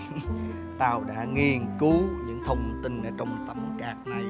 tao đã nghiên cứu những thông tin ở trong tấm cạc này